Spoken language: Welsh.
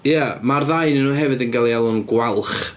Ia, ma'r ddau ohonyn nhw hefyd yn cael ei alw'n gwalch.